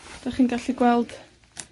'Dach chi'n gallu gweld